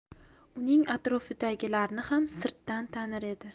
uning atrofidagilarni xam sirtdan tanir edi